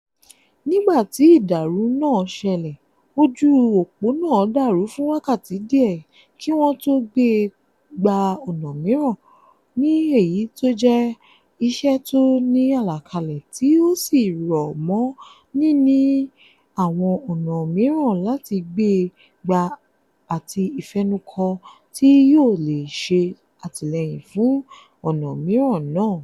Nígbà tí ìdàrú nàá ṣẹlẹ̀, ojú òpó nàá dàrú fún wákàtí díẹ̀ kí wọ́n tó gbé e gba ọ̀nà míràn; ní èyí tó jẹ́ iṣẹ́ tó ní àlàkalẹ̀ tí ó sì rọ̀ mọ́ nínì àwọn ọ̀nà míràn láti gbée gbà àti ìfẹnùkọ̀ tí yóò lè ṣe àtìlẹyìn fùn ọ̀nà míràn náà.